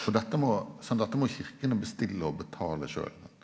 så dette må så dette må kyrkjene bestille og betale sjølv.